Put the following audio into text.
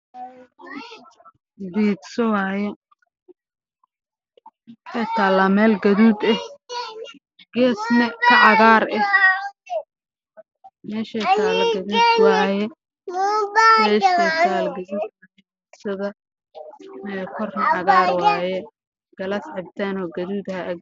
Meeshaan waxaa ka muuqdo biiso